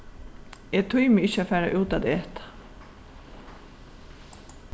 eg tími ikki at fara út at eta